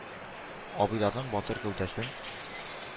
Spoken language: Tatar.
Абыйларның батыр гәүдәсен,